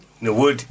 no woodi